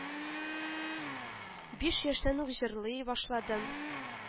“биш яшьтән үк җырлый башладым